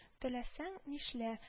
Теләсәң нишлә: